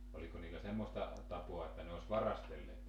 oliko niillä semmoista tapaa että ne olisi varastelleet